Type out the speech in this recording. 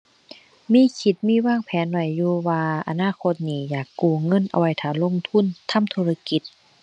มีคิดมีวางแผนไว้อยู่ว่าอนาคตนี่ อยากกู้เงินเอาไว้ท่าลงทุน ทำธุรกิจ